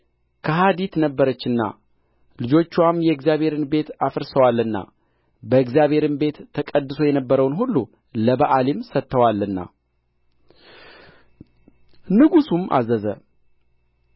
ከሐዲት ነበረችና ልጆችዋም የእግዚአብሔርን ቤት አፍርሰዋልና በእግዚአብሔርም ቤት ተቀድሶ የነበረውን ሁሉ ለበኣሊም ሰጥተዋልና ንጉሡም አዘዘ